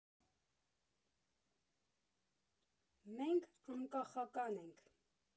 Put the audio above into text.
ՄԵՆՔ ԱՆԿԱԽԱԿԱՆ ԵՆՔ։